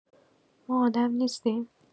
ما آدم نیستیم؟